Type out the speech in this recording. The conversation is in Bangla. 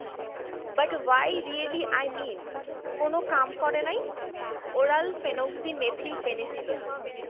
but what really I mean কোন কাম করে নাই ওরাল ফেনোক্সিমেথিল পেনিসিলিন